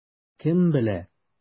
Кем белә?